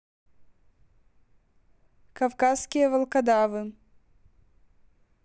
кавказские волкодавы